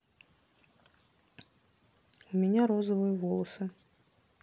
у меня розовые волосы